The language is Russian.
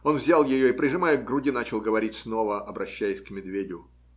Он взял ее и, прижимая к груди, начал говорить снова, обращаясь к медведю